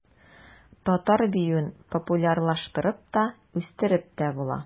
Татар биюен популярлаштырып та, үстереп тә була.